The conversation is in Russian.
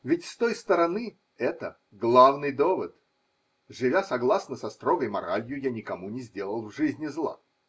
Ведь с той стороны это – главный довод: живя согласно со строгой моралью, я никому не сделал в жизни зла.